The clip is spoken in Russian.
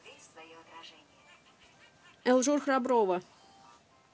элжур храброва